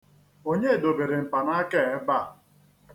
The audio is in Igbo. Onye dobere mpanaaka a ebea?